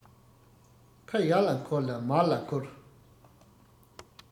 ཁ ཡར ལ འཁོར ལ མར ལ འཁོར